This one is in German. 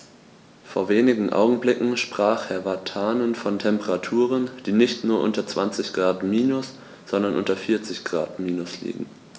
Vor wenigen Augenblicken sprach Herr Vatanen von Temperaturen, die nicht nur unter 20 Grad minus, sondern unter 40 Grad minus liegen.